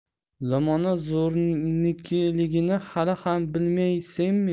zamona zo'rnikiligini hali ham bilmaysenmi